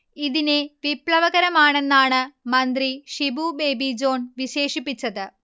ഇതിനെ വിപ്ലവകരമാണെന്നാണ് മന്ത്രി ഷിബു ബേബി ജോൺ വിശേഷിപ്പിച്ചത്